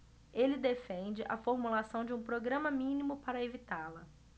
ele defende a formulação de um programa mínimo para evitá-la